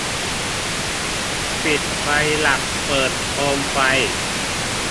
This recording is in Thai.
ปิดไฟหลักเปิดโคมไฟ